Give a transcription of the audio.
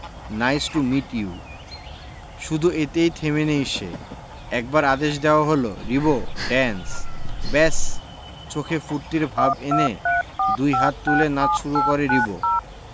nice to meet you শুধু এতেই থেমে নেই সে একবার আদেশ দেওয়া হলো রিবো ড্যান্স ব্যাস চোখে ফূর্তির ভাব এনে দুই হাত তুলে নাচ শুরু করে রিবো